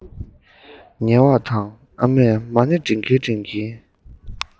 ཉལ བ དང ཨ མས མ ཎི བགྲང གིན བགྲང གིན